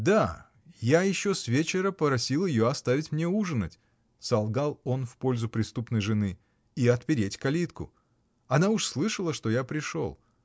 — Да, я еще с вечера просил ее оставить мне ужинать, — солгал он в пользу преступной жены, — и отпереть калитку. Она уж слышала, что я пришел.